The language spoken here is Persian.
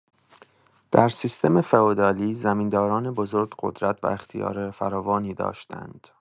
در سیستم فئودالی، زمین‌داران بزرگ قدرت و اختیار فراوانی داشتند.